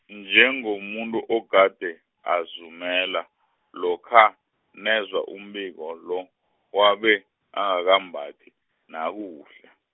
njengo muntu ogade, azumela, lokha, nezwa umbiko lo, wabe, angakambathi, nakuhle.